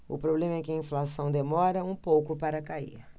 o problema é que a inflação demora um pouco para cair